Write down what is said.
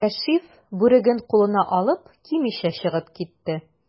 Кәшиф, бүреген кулына алып, кимичә чыгып китте.